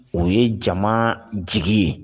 O ye jama jigi ye